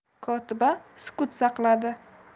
kotiba sukut saqladi